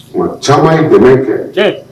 O caman ye dɛmɛ kɛ